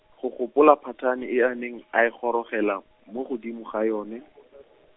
go gopola phatane e a neng a e gorogela, mo godimo ga yone .